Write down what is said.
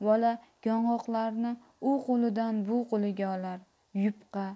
bola yong'oqlarni u qo'lidan bu qo'liga olar yupqa